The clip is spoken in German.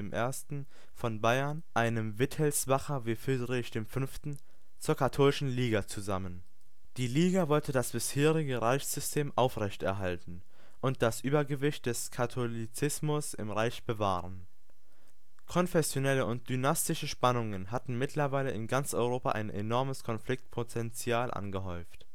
I. von Bayern – einem Wittelsbacher wie Friedrich V. – zur Katholischen Liga zusammen. Die Liga wollte das bisherige Reichssystem aufrechterhalten und das Übergewicht des Katholizismus im Reich bewahren. Konfessionelle und dynastische Spannungen hatten mittlerweile in ganz Europa ein enormes Konfliktpotenzial angehäuft